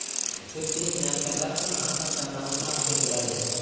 ko'pchilik navkarlar ham ahmad tanbalni haq deb bilar edi